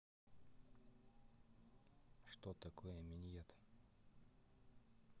что такое миньет